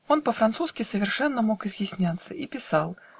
Он по-французски совершенно Мог изъясняться и писал